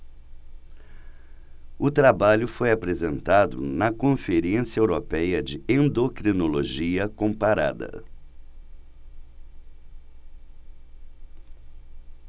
o trabalho foi apresentado na conferência européia de endocrinologia comparada